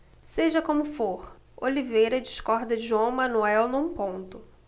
seja como for oliveira discorda de joão manuel num ponto